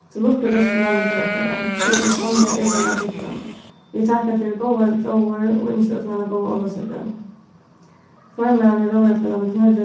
til lukku røsku manningar okkara vit eru sanniliga errin av tykkum vit takka fyri góða róður og ynskja øllum eina góða ólavsøku formaðurin í róðrarfelagnum knørri